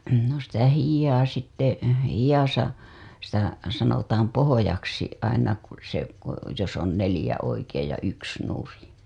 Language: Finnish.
no sitä hihaa sitten hihassa sitä sanotaan pohjaksi aina kun se kun jos on neljä oikein ja yksi nurin